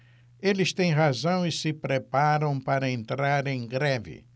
eles têm razão e se preparam para entrar em greve